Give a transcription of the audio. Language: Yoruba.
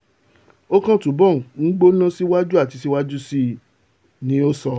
Ó kàn túnbọ̀ ń gbóná síwájú àti síwájú síi,'' ní ó sọ.